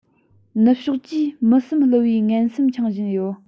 ནུབ ཕྱོགས ཀྱི མི སེམས བསླུ བའི ངན སེམས འཆང བ ཞིག ཡིན